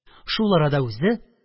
Шул арада үзе